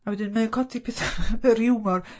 A wedyn mae o'n codi pethau yr hiwmor.